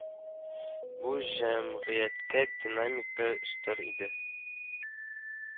Бу җәмгыятькә динамика өстәр иде